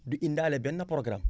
du indaale benn programme